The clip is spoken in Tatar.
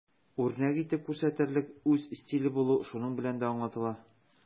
Үрнәк итеп күрсәтерлек үз стиле булу шуның белән дә аңлатыла.